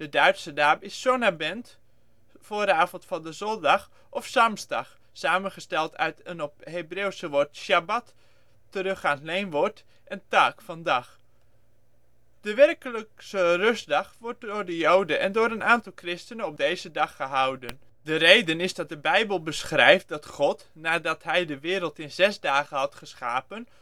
Duitse naam is Sonnabend (= vooravond van de zondag) of Samstag, samengesteld uit een op het Hebreeuwse woord sjabbat teruggaand leenwoord, en Tag (dag). De wekelijkse rustdag wordt door de joden en door een aantal christenen op deze dag gehouden. De reden is dat de Bijbel beschrijft dat God, nadat hij de wereld in zes dagen had geschapen